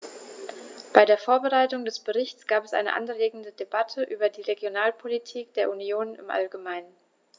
Bei der Vorbereitung des Berichts gab es eine anregende Debatte über die Regionalpolitik der Union im allgemeinen.